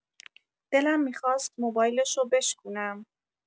دلم می‌خواست موبایلشو بشکونم.